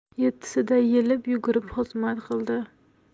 yettisida yelib yugurib xizmat qildi